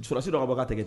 Sulasi don abaga ka tigɛ